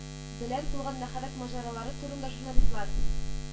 Белән булган мәхәббәт маҗаралары турында журналистлар